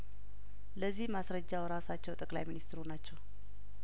ለዚህ ማስረጃው ራሳቸው ጠቅላይሚኒስትሩ ናቸው